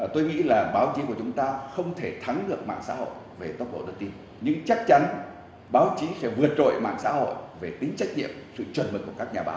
tôi nghĩ là báo chí của chúng ta không thể thắng được mạng xã hội về tốc độ thông tin nhưng chắc chắn báo chí sẽ vượt trội mạng xã hội về tính trách nhiệm sự chuẩn mực của các nhà báo